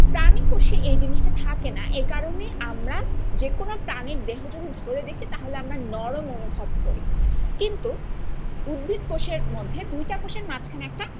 প্রাণী কোষ এই জিনিসটা থাকে না এ কারণে আমরা যে কোন প্রাণীর দেহ যদি ধরে দেখি তাহলে আমরা নরম অনুভব করি কিন্তু উদ্ভিদ কোষের মধ্যে দুইটা কোষের মাঝখানে একটা